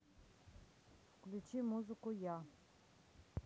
включи музыку я